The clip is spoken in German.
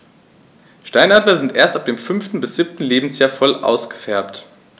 Steinadler sind erst ab dem 5. bis 7. Lebensjahr voll ausgefärbt.